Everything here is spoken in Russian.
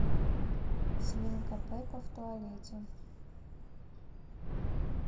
свинка пеппа в туалете